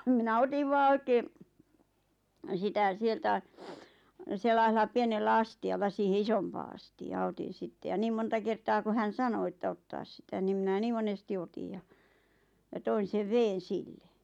minä otin vain oikein sitä sieltä sellaisella pienellä astialla siihen isompaan astiaan otin sitten ja niin monta kertaa kun hän sanoi että ottaa sitä niin minä niin monesti otin ja ja toin sen veden sille